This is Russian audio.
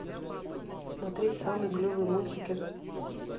смотреть самые клевые мультики